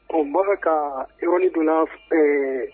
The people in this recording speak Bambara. Bon ba bɛ ka iɔni donna ɛɛ